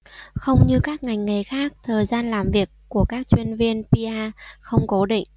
không như các ngành nghề khác thời gian làm việc của các chuyên viên pr không cố định